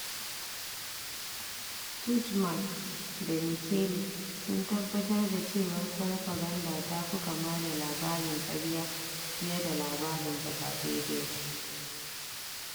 Tudjman da Mikelic sun tabbatar da cewa farfaganda ta fi kama da labarin ƙarya fiye da labarin da ba daidai ba.